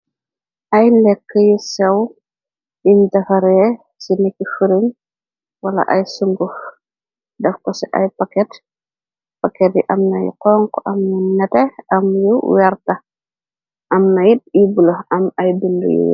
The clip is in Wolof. ay lekk y sew diñ daxaree ci niki xurun wala ay sungux dax ko ci ay paket paket yi am nay xonku am yu nete am yu werta am nay diibulo am ay bunru yuw